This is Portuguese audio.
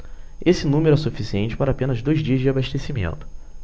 esse número é suficiente para apenas dois dias de abastecimento